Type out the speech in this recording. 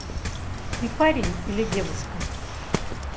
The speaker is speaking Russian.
ты парень или девушка